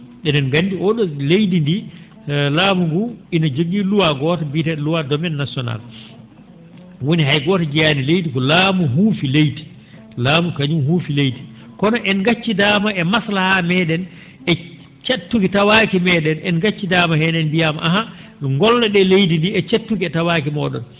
e?en nganndi oo ?oo leydi ndii laamu nguu ene jogii loi gooto mbiyetee?o loi domaine national woni hay gooto jeyaani leydi ko laamu nguu huufi leydi laamu kañum huufi leydi kono en ngaccidaama e maslahaa me?en e cattuki tawaaki me?en en ngaccidaama heen en mbiyaama ahan ngollo?ee leydi ndi e cattuki e tawaaki moo?on